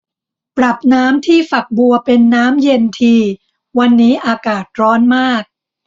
ปรับน้ำที่ฝักบัวเป็นน้ำเย็นทีวันนี้อากาศร้อนมาก